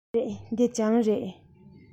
མ རེད འདི གྱང རེད